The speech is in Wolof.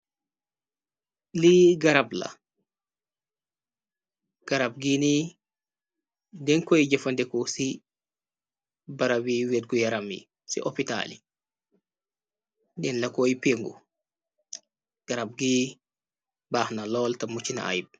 Lii garab la garab gi ni den koy jëfandeko ci baraw yi wergu-yaram yi ci opitaal yi den la koy pengu garab gi baaxna lool ta muccina ayb.